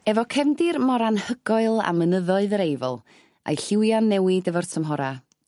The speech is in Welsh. Efo cefndir mor anhygoel a mynyddoedd yr Eifl a'i lliwia'n newid efo'r tymhora